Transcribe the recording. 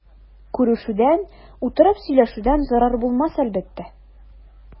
Күрешүдән, утырып сөйләшүдән зарар булмас әлбәттә.